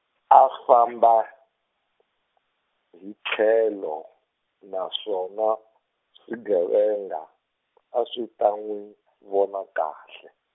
a famba hi tlhelo na swona swigevenga a swi ta n'wi vona kahle.